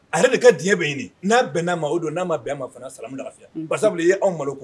A yɛrɛ de ka diɲɛ bɛ ɲini n'a bɛn n'a ma o don n'a ma bɛn ma samu lafi basi sabula y yeanw amadu kun